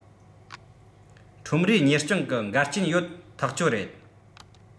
ཁྲོམ རའི གཉེར སྐྱོང གི འགལ རྐྱེན ཡོད ཐག ཆོད རེད